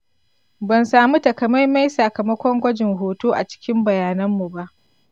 ban sami takamaiman sakamakon gwajin hoton a cikin bayananmu ba.